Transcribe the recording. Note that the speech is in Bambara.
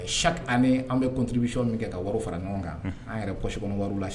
Sa ani an bɛ cotigibiy min kɛ ka wari fara ɲɔgɔn kan an yɛrɛsikɔnɔ wari lase